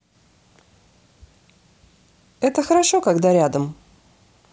это хорошо когда рядом